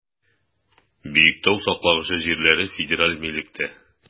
Биектау саклагычы җирләре федераль милектә.